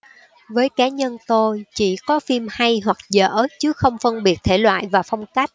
với cá nhân tôi chỉ có phim hay hoặc dở chứ không phân biệt thể loại và phong cách